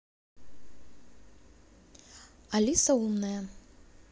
алиса умная